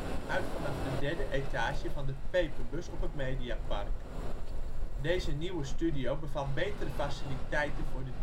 vanaf de derde etage van de Peperbus op het Mediapark. Deze nieuwe studio bevat betere faciliteiten voor de